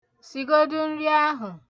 Si godu nrịa ahụ.